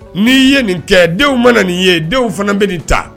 N ye nin kɛ denw mana nin ye denw fana bɛ nin ta